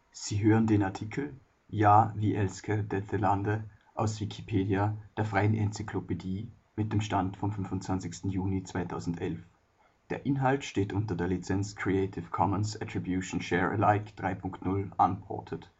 Sie hören den Artikel Ja, vi elsker dette landet, aus Wikipedia, der freien Enzyklopädie. Mit dem Stand vom Der Inhalt steht unter der Lizenz Creative Commons Attribution Share Alike 3 Punkt 0 Unported